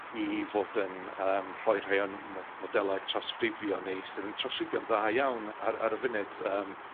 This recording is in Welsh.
I fod yn yym rhoi rhei o'n mod- modelau trawsgrifio ni sydd yn trawsgrifio'n dda iawn ar ar y funud, yym,